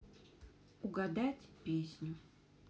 угадать песню